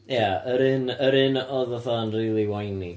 ia yr un yr un oedd fatha yn rili whiny.